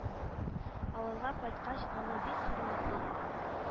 Авылга кайткач аны бик хөрмәтлиләр